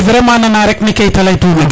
vraiment nana rek ne Keita leytuna